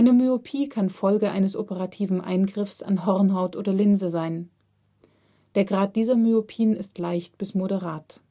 Myopie kann Folge eines operativen Eingriffs an Hornhaut oder Linse sein. Der Grad dieser Myopien ist leicht bis moderat